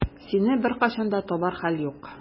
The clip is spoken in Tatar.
Сине беркайчан да табар хәл юк.